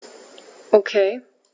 Okay.